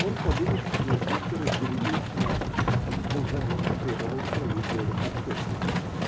Он, подумав, согласился разделить ее с нами, но взамен потребовал своей доли картофеля